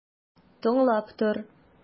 Тыңлап тор!